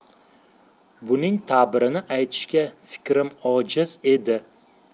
buning ta'birini aytishga fikrim ojiz dedi